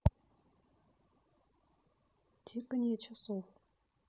тиканье часов